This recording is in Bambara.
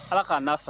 Ala ka an na sɔn